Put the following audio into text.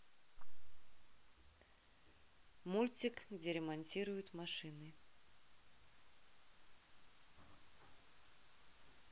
мультик где ремонтируют машины